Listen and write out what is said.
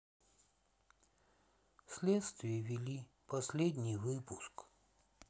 следствие вели последний выпуск